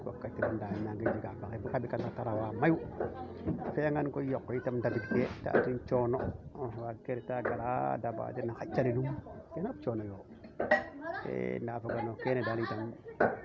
ñeti caabi ke faaxa lool de yaam ka siwana ndaa yok we kaade leye yitam kaa ɓeka yok we coono bo o rawa mbaa ke xot taa ten daal jegiro teen tig foko dak niin teen fop